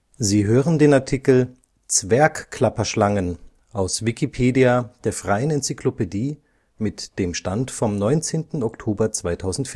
Sie hören den Artikel Zwergklapperschlangen, aus Wikipedia, der freien Enzyklopädie. Mit dem Stand vom Der